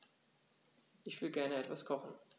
Ich will gerne etwas kochen.